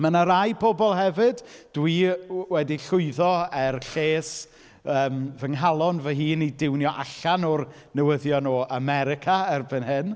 Mae 'na rai pobl hefyd, dwi w- wedi llwyddo er lles yym, fy nghalon fy hun i diwnio allan o'r newyddion o America erbyn hyn.